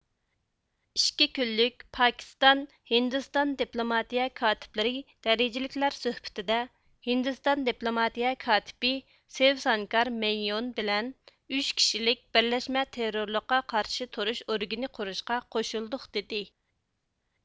ئىككى كۈنلۈك پاكىستان ھىندىستان دىپلوماتىيە كاتىپلىرى دەرىجىلىكلەر سۆھبىتىدە ھىندىستان دىپلوماتىيە كاتىپى سىۋسانكار مېينون بىلەن ئۈچ كىشىلىك بىرلەشمە تېررورلۇققا قارشى تۇرۇش ئورگىنى قۇرۇشقا قوشۇلدۇق دىدى